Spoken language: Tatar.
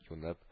Юнып